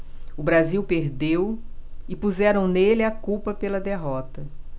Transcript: o brasil perdeu e puseram nele a culpa pela derrota